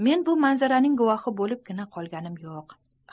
men bu manzaraning guvohi bo'libgina qolganim yo'q